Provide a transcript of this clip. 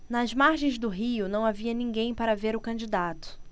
nas margens do rio não havia ninguém para ver o candidato